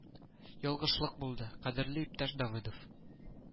Ялгышлык булды, кадерле иптәш Давыдов